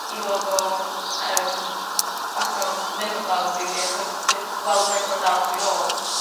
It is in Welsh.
I ddod o yy yym background sy ddim yn dlawd rili achos dwi'n gweld faint ma'n dal chdi nôl.